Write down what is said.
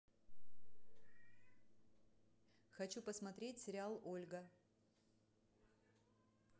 хочу посмотреть сериал ольга